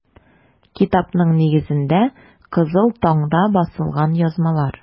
Китапның нигезендә - “Кызыл таң”да басылган язмалар.